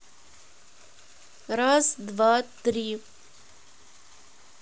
раз два три